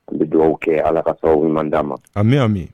An bɛ dugawu kɛ ala ka taa aw man d'a ma an bɛ'a min